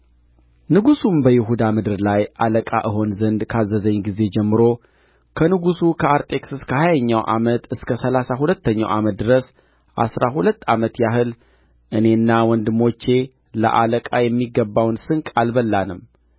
ንጉሡም በይሁዳ ምድር ላይ አለቃ እሆን ዘንድ ካዘዘኝ ጊዜ ጀምሮ ከንጉሡ ከአርጤክስስ ከሀያኛው ዓመት እስከ ሠላሳ ሁለተኛው ዓመት ድረስ አሥራ ሁለት ዓመት ያህል እኔና ወንድሞቼ ለአለቃ የሚገባውን ስንቅ አልበላንም